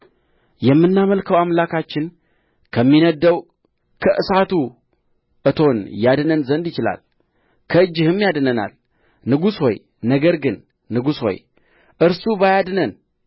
የምናመልከው አምላካችን ከሚነድደው ከእሳቱ እቶን ያድነን ዘንድ ይችላል ከእጅህም ያድነናል ንጉሥ ሆይ ነገር ግን ንጉሥ ሆይ እርሱ ባያድነን